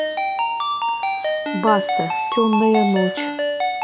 баста темная ночь